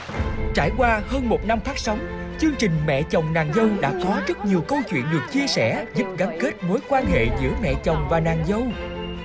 trải qua hơn một năm phát sóng chương trình mẹ chồng nàng dâu đã có rất nhiều câu chuyện được chia sẻ giúp gắn kết mối quan hệ giữa mẹ chồng và nàng dâu